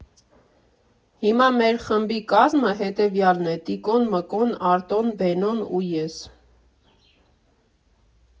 Հիմա մեր խմբի կազմը հետևյալն է՝ Տիկոն, Մկոն, Արտոն, Բենոն ու ես։